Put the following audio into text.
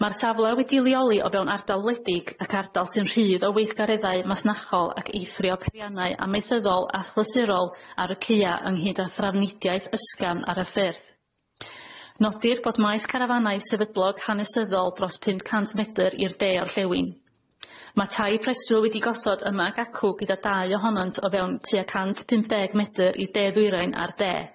Ma'r safle wedi'i leoli o fewn ardal wledig ac ardal sy'n rhydd o weithgareddau masnachol ac eithrio pediannau amaethyddol athlysyrol ar y caea ynghyd â thrafnidiaeth ysgafn ar y ffyrdd. Nodir bod maes carafannau sefydlog hanesyddol dros pump cant medr i'r de o'rllewin. Ma' tai preswyl wedi gosod yma ac acw gyda dau ohonant o fewn tua cant pump deg medr i'r de ddwyrain a'r de.